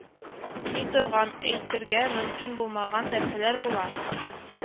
Ми торган, әйтергә мөмкин булмаган нәрсәләр була